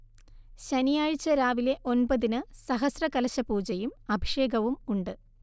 ശനിയാഴ്ച രാവിലെ ഒൻപതിന് സഹസ്രകലശപൂജയും അഭിഷേകവും ഉണ്ട്